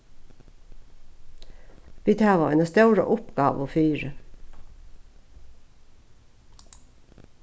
vit hava eina stóra uppgávu fyri